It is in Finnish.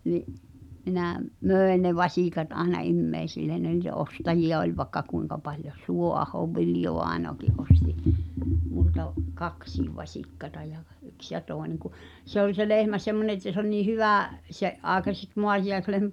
niin minä myin ne vasikat aina ihmisille ne niitä ostajia oli vaikka kuinka paljon - Suoahon Viljo-vainajakin osti minulta kaksikin vasikkaa ja - yksi ja toinen kun se oli se lehmä semmoinen että se oli niin hyvä sen aikaiseksi maatiaislehmäksi